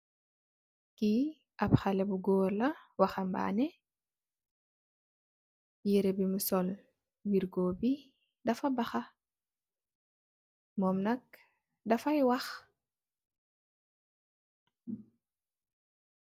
Ap xalèh bu gór la, waxu'mbani yirèh bum sol wirgo bi dafa baxa. Mom nak defai wakh.